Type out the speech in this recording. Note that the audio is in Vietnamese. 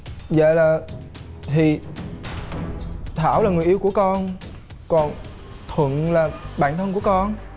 dạ là thì thảo là người yêu của con còn thuận là bạn thân của con